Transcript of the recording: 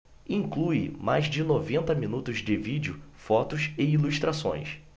inclui mais de noventa minutos de vídeo fotos e ilustrações